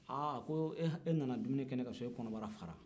aa a ko e nana dumuni kɛ ne ka so e kɔnɔbara fara